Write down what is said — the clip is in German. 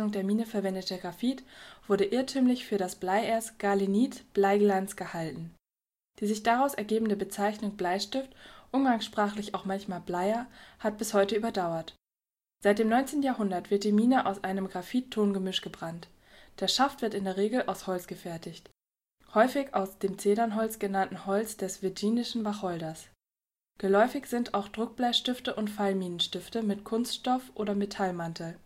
der Mine verwendete Graphit wurde irrtümlich für das Bleierz Galenit (Bleiglanz) gehalten. Die sich daraus ergebende Bezeichnung „ Bleistift “(umgangssprachlich auch manchmal Bleier) hat bis heute überdauert. Seit dem 19. Jahrhundert wird die Mine aus einem Graphit-Ton-Gemisch gebrannt. Der Schaft wird in der Regel aus Holz gefertigt, häufig aus dem Zedernholz genannten Holz des Virginischen Wacholders. Geläufig sind auch Druckbleistifte und Fallminenstifte mit Kunststoff - oder Metallmantel